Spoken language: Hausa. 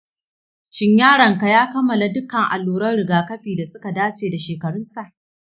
shin yaronka ya kammala dukkan alluran riga-kafi da suka dace da shekarunsa?